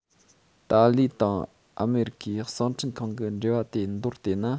ཏཱ ལའི དང ཨ མེ རི ཁའི གསང འཕྲིན ཁང གི འབྲེལ བ དེ མདོར དེད ན